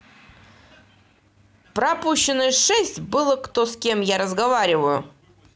пропущенные шесть было кто с кем я разговариваю